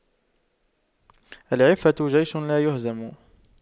العفة جيش لايهزم